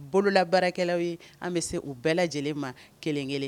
Bololabaarakɛlaw ye an be se u bɛɛ lajɛlen ma kelen-kelen